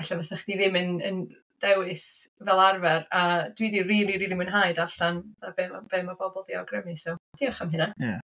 Ella fysa chdi ddim yn yn dewis fel arfer. A dwi 'di rili rili mwynhau darllen be ma' be ma' bobl 'di awgrymu. So diolch am hynna.